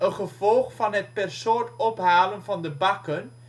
gevolg van het per soort ophalen van de bakken